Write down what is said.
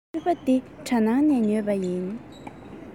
ཕྱུ པ འདི གྲ ནང ནས ཉོས པ ཡིན